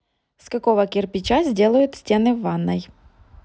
с какого кирпича сделают стены в ванной